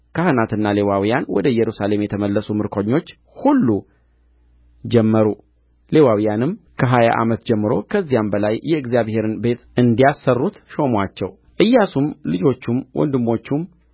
ካህናትና ሌዋውያን ወደ ኢየሩሳሌምም የተመለሱት ምርኮኞች ሁሉ ጀመሩ ሌዋውያንንም ከሀያ ዓመት ጀምሮ ከዚያም በላይ የእግዚአብሔርን ቤት ሥራ እንዲያሠሩት ሾሙአቸው ኢያሱም ልጆቹም ወንድሞቹም